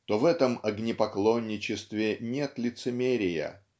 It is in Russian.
то в этом огнепоклонничестве нет лицемерия